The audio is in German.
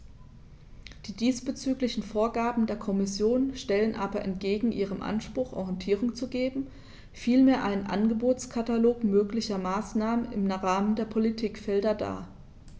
Die diesbezüglichen Vorgaben der Kommission stellen aber entgegen ihrem Anspruch, Orientierung zu geben, vielmehr einen Angebotskatalog möglicher Maßnahmen im Rahmen der Politikfelder dar.